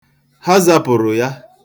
Ha zapụrụ ya.